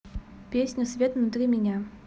песню свет внутри меня